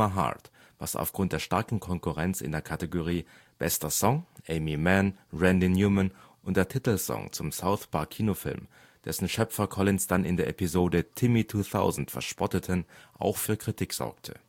Heart, was aufgrund der starken Konkurrenz in der Kategorie Bester Song (Aimee Mann, Randy Newman und der Titelsong zum South Park-Kinofilm, dessen Schöpfer Collins dann in der Episode Timmy 2000 verspotteten) auch für Kritik sorgte